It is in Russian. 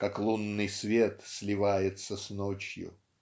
как лунный свет сливается с ночью".